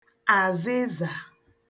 àzịzà